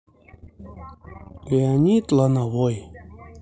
леонид лановой